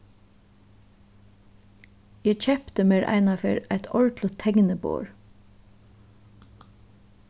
eg keypti mær einaferð eitt ordiligt tekniborð